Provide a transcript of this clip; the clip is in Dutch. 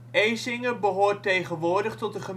Ezinge behoort tegenwoordig tot de